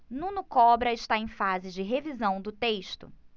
nuno cobra está em fase de revisão do texto